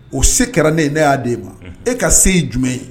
O se kɛra ne ye ne y'a di' e ma e ka se jumɛn ye